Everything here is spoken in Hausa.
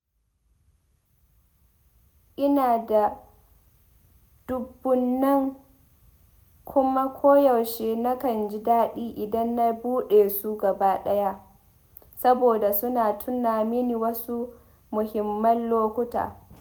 Ina da dubunnai kuma koyaushe nakan ji daɗi idan na dube su gaba ɗaya, saboda suna tuna mini wasu muhimman lokuta.